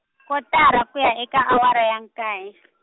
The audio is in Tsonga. kotara ku ya eka awara ya nkaye .